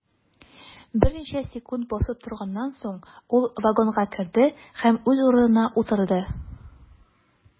Берничә секунд басып торганнан соң, ул вагонга керде һәм үз урынына утырды.